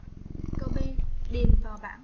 câu b điền vào bảng